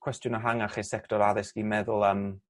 cwestiwn ehangach i'r secto'r addysg i meddwl am